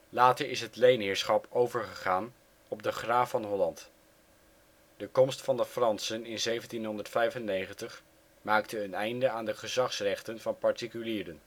Later is het leenheerschap overgegaan op de graaf van Holland. De komst van de Fransen in 1795 maakte een einde aan de gezagsrechten van particulieren